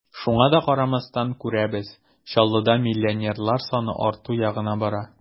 Шуңа да карамастан, күрәбез: Чаллыда миллионерлар саны арту ягына бара.